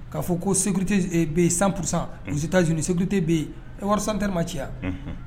K kaa fɔ koteyi sanpsan musitaj segukuurte bɛyi wari santema ciya